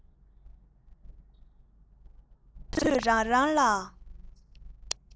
བཤད མ དགོས པ རེད